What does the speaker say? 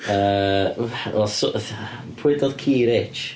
Yy wel sort of pwy dudodd ci rich?